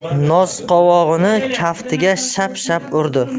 nosqovog'ini kaftiga shapshap urdi